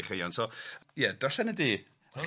So, ie darllena di... O reit.